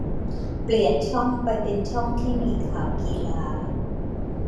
เปลี่ยนช่องไปเป็นช่องที่มีข่าวกีฬา